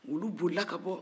wulu bolila ka bɔ